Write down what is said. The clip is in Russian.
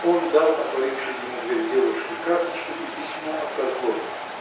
Он дал отворившей ему дверь девушке карточку и письмо от Козлова.